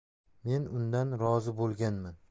men undan rozi bo'lganman